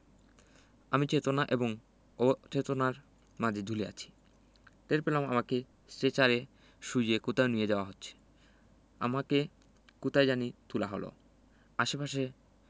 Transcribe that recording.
আমি চেতনা এবং অচেতনার মাঝে ঝুলে আছি টের পেলাম আমাকে স্ট্রেচারে শুইয়ে কোথাও নিয়ে যাওয়া হচ্ছে আমাকে কোথায় জানি তোলা হলো আশেপাশে